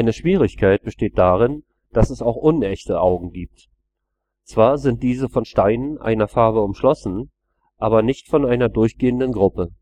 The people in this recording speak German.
Schwierigkeit besteht darin, dass es auch „ unechte Augen “gibt. Zwar sind diese von Steinen einer Farbe umschlossen, aber nicht von einer durchgehenden Gruppe